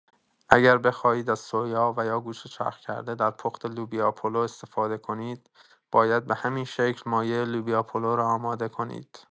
اگر بخواهید از سویا و یا گوشت چرخ کرده در پخت لوبیا پلو استفاده کنید باید به همین شکل مایه لوبیا پلو را آماده کنید.